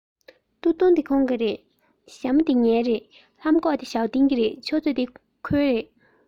སྟོད ཐུང འདི ཁོང གི རེད ཞྭ མོ འདི ངའི རེད ལྷམ གོག འདི ཞའོ ཏིང གི རེད ཆུ ཚོད འདི ཁོའི རེད